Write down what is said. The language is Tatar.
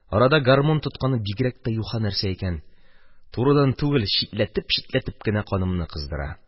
Арада гармун тотканы бигрәк тә юха нәрсә икән – турыдан түгел, читләтеп-читләтеп кенә канымны кыздыра.